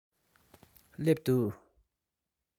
སླེབས འདུག